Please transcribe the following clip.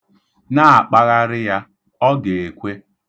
Na-akpagharị ya. Ọ ga-ekwe.